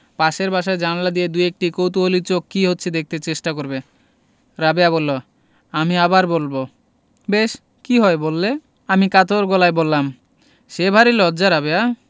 পাশের বাসায় জানালা দিয়ে দুএকটি কৌতুহলী চোখ কি হচ্ছে দেখতে চেষ্টা করবে রাবেয়া বললো আমি আবার বলবো বেশ কি হয় বললে আমি কাতর গলায় বললাম সে ভারী লজ্জা রাবেয়া